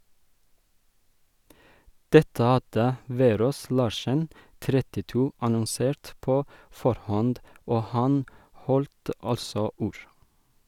Dette hadde Verås Larsen (32) annonsert på forhånd, og han holdt altså ord.